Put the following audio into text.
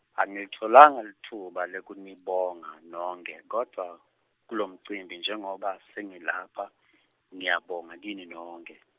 Angilitfolanga litfuba lekunibonga nonkhe kodwva, kulomcimbi njengoba sengilapha, ngiyabonga kini nonkhe.